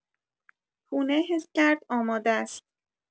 پونه حس کرد آماده‌ست.